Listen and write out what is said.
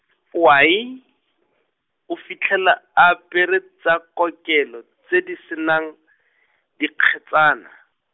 owai, a fitlhela a apere tsa kokelo, tse di se nang, dikgetsana.